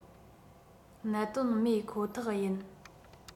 གནད དོན མེད ཁོ ཐག ཡིན